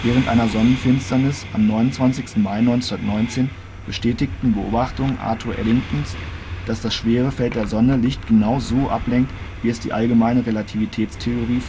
Während einer Sonnenfinsternis am 29. Mai 1919 bestätigten Beobachtungen Arthur Eddingtons, dass das Schwerefeld der Sonne Licht genau so ablenkt, wie es die allgemeine Relativitätstheorie